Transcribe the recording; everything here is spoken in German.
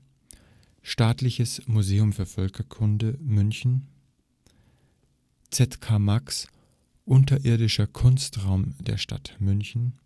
Staatliches Museum für Völkerkunde München ZKMax, unterirdischer Kunstraum der Stadt München